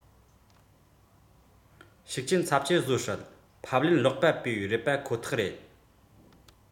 ཤུགས རྐྱེན ཚབས ཆེན བཟོ སྲིད ཕབ ལེན ཀློག པ པོའི རེད པ ཁོ ཐག རེད